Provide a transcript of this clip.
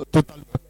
O total